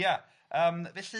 Ia yym felly.